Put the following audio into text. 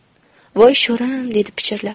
voy sho'rim dedi pichirlab